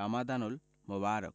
রমাদানুল মোবারক